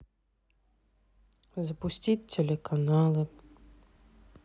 запустить телеканалы